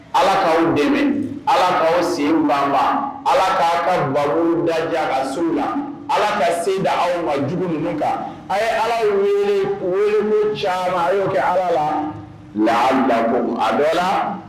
Ala k'aw dɛmɛ, Ala k'aw sen banban, Ala k'a ka bumuru da diya ka se u la, Ala ka se di aw ma jugu ninnu kan, a ye Ala wele mu caman a y'o kɛ ala la labilabugu a bɛ la